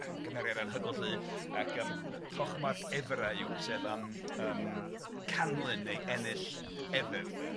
gymeriad anhygoel 'lly ac yym yy Tochmarc Efra yw, sef yym yym canlyn neu ennill Efyr de.